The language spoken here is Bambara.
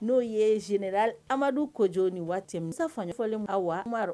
N'o ye zee amadu koj ni waati san fɔlen waru